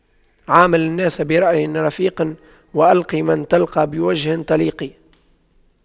عامل الناس برأي رفيق والق من تلقى بوجه طليق